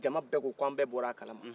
jama bɛɛ k'an bɛɛ bɔrɔ a kalama